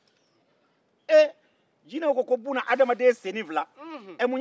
jinɛw ko buna adamaden sen fila mun y'e se yan